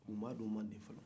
u ma don manden fɔlɔ